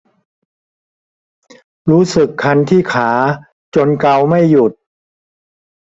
รู้สึกคันที่ขาจนเกาไม่หยุด